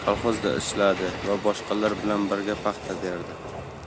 'kolxoz'da ishladi va boshqalar bilan birga paxta terdi